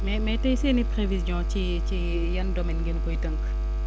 mais mais tey seen i prévision ci ci yan domaines ngeen koy tënk